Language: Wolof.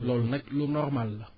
loolu nag lu normal la